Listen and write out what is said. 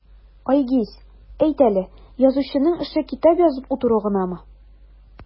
Айгиз, әйт әле, язучының эше китап язып утыру гынамы?